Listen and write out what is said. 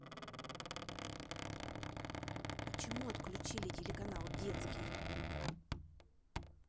почему отключили телеканал детский